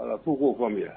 A ko k'o faamuya